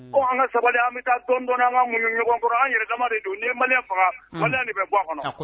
Ko an ka sabali an bɛ taa tɔndɔn an ka mun ɲɔgɔnkɔrɔ an yɛrɛdama de don ni mali faga de bɛ bɔ kɔnɔ